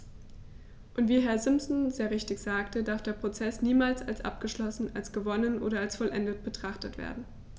Und wie Herr Simpson sehr richtig sagte, darf der Prozess niemals als abgeschlossen, als gewonnen oder als vollendet betrachtet werden.